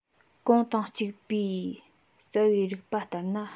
གོང དང གཅིག པའི རྩ བའི རིགས པ ལྟར ན